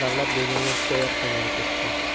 davlat begimga shikoyat qilgani ketdi